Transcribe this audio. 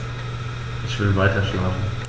Ich will weiterschlafen.